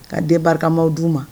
Ka den barikama d' u ma